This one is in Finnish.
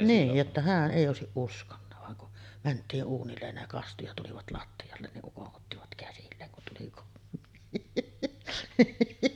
niin jotta hän ei olisi uskonut vaan kun mentiin uunille ne kastui ja tulivat lattialle niin ukon ottivat käsilleen kun tuli kotiin